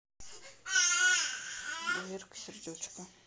верка сердючка